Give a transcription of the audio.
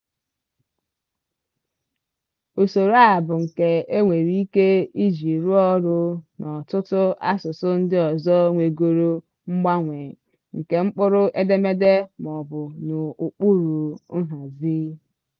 Usoro a bụ nke e nwere ike iji rụọ ọrụ n'ọtụtụ asụsụ ndị ọzọ nwegoro mgbanwe nke mkpụrụ edemede maọbụ n'ụkpụrụ nhazi.